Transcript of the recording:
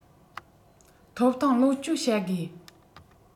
ཐོབ ཐང ལོངས སྤྱོད བྱ དགོས